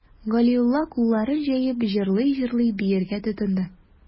Галиулла, кулларын җәеп, җырлый-җырлый биергә тотынды.